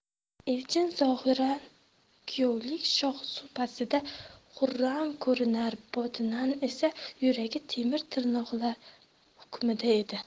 elchin zohiran kuyovlik shohsupasida xurram ko'rinar botinan esa yuragi temir tirnoqlar hukmida edi